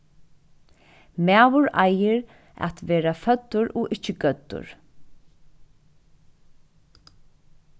maður eigur at verða føddur og ikki gøddur